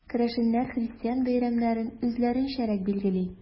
Керәшеннәр христиан бәйрәмнәрен үзләренчәрәк билгели.